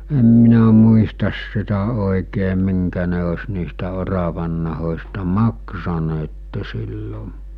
en minä muista sitä oikein minkä ne olisi niistä oravannahoista maksaneet silloin